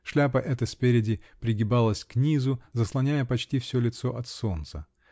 шляпа эта спереди пригибалась книзу, заслоняя почти все лицо от солнца.